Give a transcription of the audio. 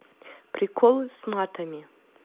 приколы с матами